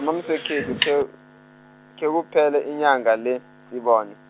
mswekhethu kheu-, khekuphele inyanga le, sibone.